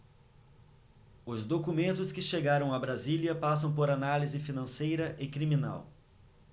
os documentos que chegaram a brasília passam por análise financeira e criminal